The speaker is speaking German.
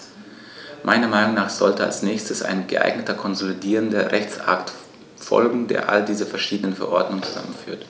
Meiner Meinung nach sollte als nächstes ein geeigneter konsolidierender Rechtsakt folgen, der all diese verschiedenen Verordnungen zusammenführt.